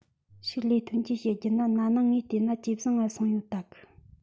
ཕྱུགས ལས ཐོན སྐྱེད བཤད རྒྱུ ན ན ནིང ང བལྟས ན ཇེ བཟང ང སོང ོད གི